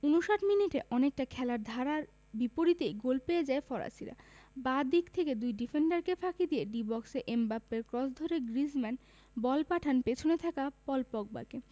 ৫৯ মিনিটে অনেকটা খেলার ধারার বিপরীতেই গোল পেয়ে যায় ফরাসিরা বাঁ দিক থেকে দুই ডিফেন্ডারকে ফাঁকি দিয়ে ডি বক্সে এমবাপ্পের ক্রস ধরে গ্রিজমান বল পাঠান পেছনে থাকা পল পগবাকে